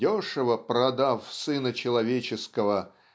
дешево продав Сына Человеческого